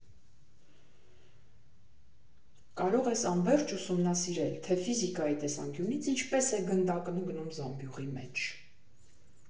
Կարող ես անվերջ ուսումնասիրել, թե ֆիզիկայի տեսանյունից ինչպես է գնդակն ընկնում զամբյուղի մեջ։